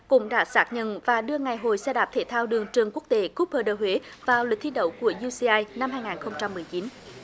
cũng đã xác nhận và đưa ngày hội xe đạp thể thao đường trường quốc tế cúp pơ đơ huế vào lịch thi đấu của iu xi ai năm hai nghìn không trăm mười chín